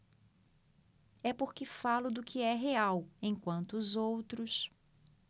é porque falo do que é real enquanto os outros